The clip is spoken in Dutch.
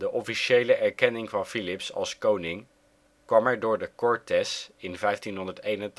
officiële erkenning van Filips als koning kwam er door de Cortes in 1581